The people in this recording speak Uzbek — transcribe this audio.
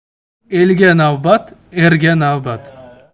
elga navbat erga navbat